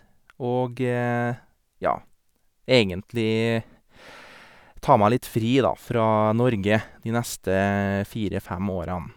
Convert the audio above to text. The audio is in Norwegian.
Og, ja, egentlig ta meg litt fri, da, fra Norge, de neste fire fem årene.